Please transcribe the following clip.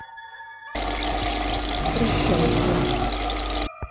прощайся